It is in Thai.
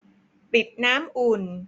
ปิดน้ำอุ่น